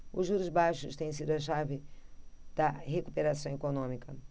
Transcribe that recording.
os juros baixos têm sido a chave da recuperação econômica